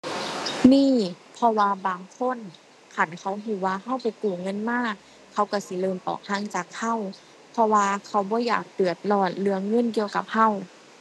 มี เพราะว่าบางคนคันเขารู้ว่ารู้ไปกู้เงินมา เขารู้สิเริ่มออกห่างจากรู้ เพราะว่าเขาบ่อยากเดือดร้อนเรื่องเงินเกี่ยวกับรู้